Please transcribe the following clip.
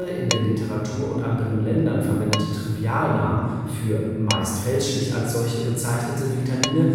in der Literatur und anderen Ländern verwendete Trivialnamen für (meist fälschlich als solche bezeichnete) Vitamine